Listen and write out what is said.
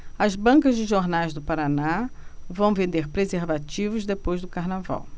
as bancas de jornais do paraná vão vender preservativos depois do carnaval